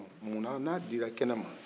muna n'a dira kɛnɛ ma